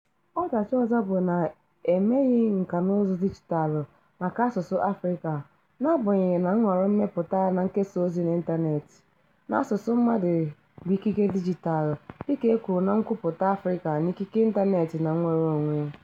Ọdachi ọzọ bụ na e meghị nkànaụzụ dijitaalụ maka asụsụ Afrịka, n'agbanyeghị na "nhọrọ mmepụta na nkesa ozi n'ịntaneetị" n'asụsụ mmadụ bụ ikike dijitaalụ, dịka e kwuru na Nkwupụta Afrịka n'Ikike Ịntaneetị na Nnwereonwe.